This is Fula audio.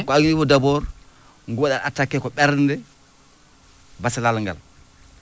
ko adii fof d' abord ngu waɗata attaqué ko ɓerde basalal ngal